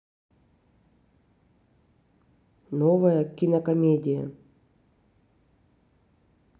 новая кинокомедия